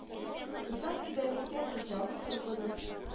Кызлар күбәләккә сокланып торды без